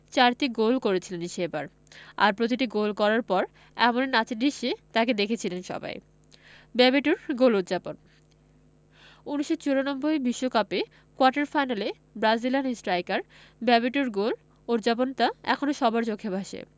চারটি গোল করেছিলেন সেবার আর প্রতিটি গোল করার পর এমনই নাচের দৃশ্যে তাঁকে দেখেছিলেন সবাই বেবেতোর গোল উদ্ যাপন ১৯৯৪ বিশ্বকাপে কোয়ার্টার ফাইনালে ব্রাজিলিয়ান স্ট্রাইকার বেবেতোর গোল উদ্ যাপনটা এখনো সবার চোখে ভাসে